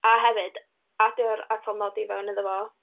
A hefyd adio'r atalnodi fewn iddo fo.